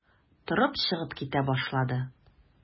Торып чыгып китә башлады.